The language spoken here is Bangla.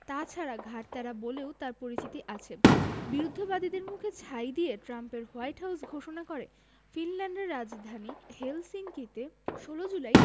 তা ছাড়া ঘাড় ত্যাড়া বলেও তাঁর পরিচিতি আছে বিরুদ্ধবাদীদের মুখে ছাই দিয়ে ট্রাম্পের হোয়াইট হাউস ঘোষণা করে ফিনল্যান্ডের রাজধানী হেলসিঙ্কিতে ১৬ জুলাই